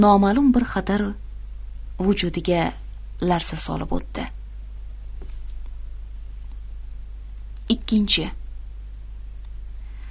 noma'lum bir xatar vujudiga larza solib o'tdi